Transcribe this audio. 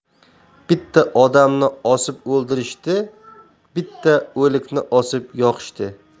bitta odamni osib o'ldirishdi bitta o'likni osib yoqishdi